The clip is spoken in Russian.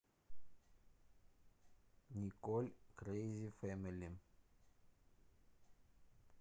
николь крейзи фэмили